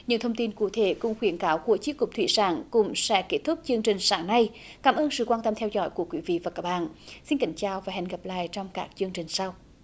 như thông tin cụ thể cũng khuyến cáo của chi cục thủy sản cũng sẽ kết thúc chương trình sáng nay cảm ơn sự quan tâm theo dõi của quý vị và các bạn xin kính chào và hẹn gặp lại trong các chương trình sau